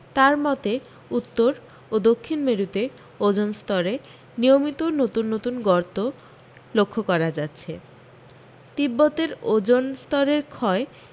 তাঁর মতে উত্তর ও দক্ষিণ মেরুতে ওজন স্তরে নিয়মিত নতুন নতুন গর্ত লক্ষ করা যাচ্ছে তিব্বতের ওজন স্তরের ক্ষয়